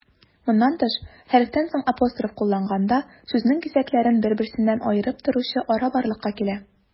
Моннан тыш, хәрефтән соң апостроф кулланганда, сүзнең кисәкләрен бер-берсеннән аерып торучы ара барлыкка килә.